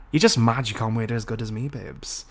You're just mad you can't wear it as good as me, babes.